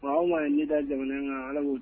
Ɔ anw ma ne da jamana kan ala'u